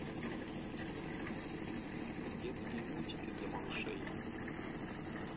детские мультики для малышей